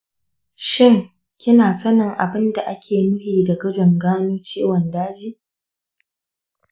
shin kina sanin abin da ake nufi da gwajin gano ciwon daji?